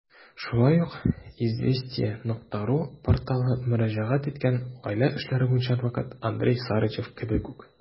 Шулай ук iz.ru порталы мөрәҗәгать иткән гаилә эшләре буенча адвокат Андрей Сарычев кебек үк.